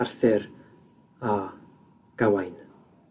Arthur a Gawain.